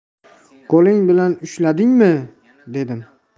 qo'ling bilan ushladingmi dedim